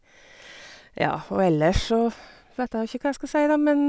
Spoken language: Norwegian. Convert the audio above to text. Ja, og ellers så vet jeg nå ikke hva jeg skal si, da, men...